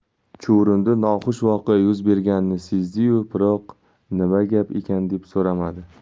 chuvrindi noxush voqea yuz berganini sezdi yu biroq nima gap ekan deb so'ramadi